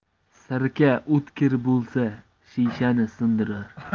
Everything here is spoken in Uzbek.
sirka o'tkir bo'lsa shishani sindirar